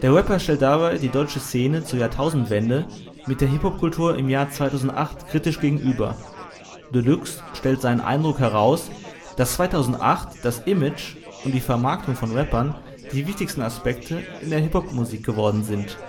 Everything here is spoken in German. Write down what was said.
Rapper stellt dabei die deutsche Szene zur Jahrtausendwende mit der Hip-Hop-Kultur im Jahr 2008 kritisch gegenüber. Deluxe stellt seinen Eindruck heraus, dass 2008 das „ Image “und die Vermarktung von Rappern die wichtigsten Aspekte in der Hip-Hop-Musik geworden sind